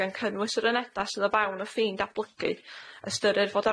gan cynnwys yr uneda sydd o fewn y ffin datblygu, ystyrir fod